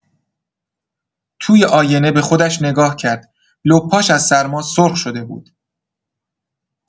توی آینه به خودش نگاه کرد، لپاش از سرما سرخ شده بود.